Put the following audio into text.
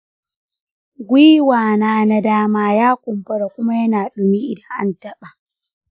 gwiwa na na dama ya kumbura kuma yana ɗumi idan an taɓa.